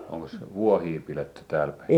onkos vuohia pidetty täälläpäin